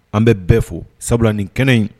An bɛ bɛɛ fo sabula nin kɛnɛ in